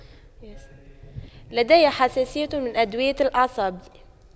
لدي حساسية من أدوية الأعصاب